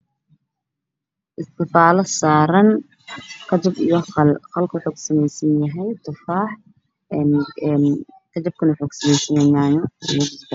Waa iskifaalo waxaa saaran qal iyo kajab, qalku waxuu kasameysan yahay tufaax, kajab ka waxuu kasameysan yahay yaanyo.